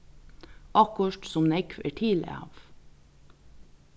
okkurt sum nógv er til av